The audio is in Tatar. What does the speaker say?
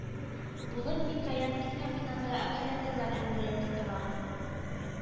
Булып микоян ит комбинаты акционерлар әмгыяте тора